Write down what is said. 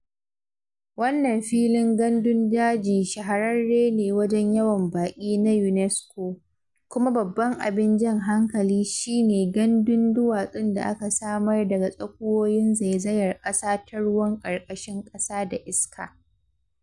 Wannan filin gandun daji shahararre ne wajen yawan baƙi na UNESCO, kuma babban abin jan hankali shi ne gandun duwatsun da aka samar daga tsakuwowin zaizayar kasa ta ruwan karkashin ƙasa da iska.